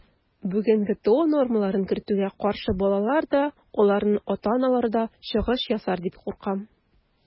Бүген ГТО нормаларын кертүгә каршы балалар да, аларның ата-аналары да чыгыш ясар дип куркам.